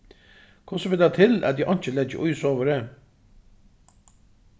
hvussu ber tað til at eg einki leggi í sovorðið